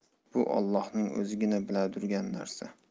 bu ollohning o'zigina biladurgan narsa